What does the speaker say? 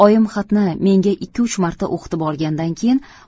oyim xatni menga ikki uch marta o'qitib olgandan keyin